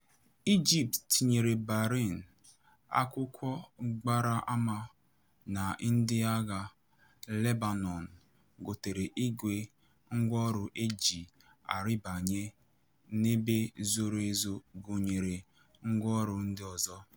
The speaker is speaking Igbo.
Egypt tinyere Bahrain, akwụkwọ gbara ama na ndị Agha Lebanon gotere igwe ngwaọrụ eji arịbanye n'ebe zoro ezo gụnyere ngwaọrụ ndị ọzọ.